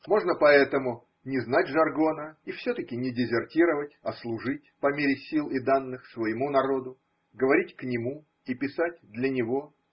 Можно поэтому не знать жаргона и все-таки не дезертировать, а служить, по мере сил и данных, своему народу, говорить к нему и писать для него.